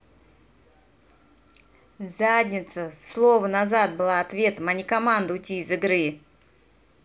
задница слово назад была ответом а не команда уйти из игры